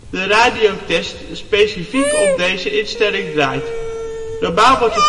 de radio-test specifiek om deze instelling draait. Normaal wordt